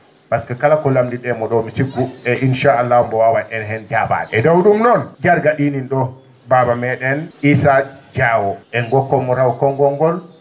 pasque kala ko lamdi ?en mbo ?oo mi sikku e inchallah mbo waawat en heen jaabaade e dow ?um noon Jarga ?iinin ?oo baaba me?en Issa Diawo en gokkat mbo raw konngol ngol